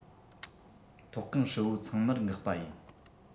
ཐོག ཁང ཧྲིལ བོ ཚང མར འགག པ ཡིན